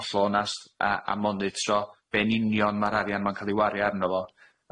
hollol onast a a monitro be' yn union ma'r arian ma'n ca'l 'i wario arno fo.